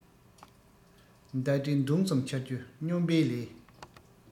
མདའ གྲི མདུང གསུམ འཕྱར རྒྱུ སྨྱོན པའི ལས